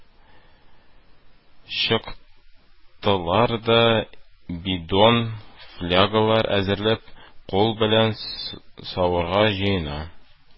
Чыктылар да, бидон-флягалар әзерләп, кул белән саварга җыена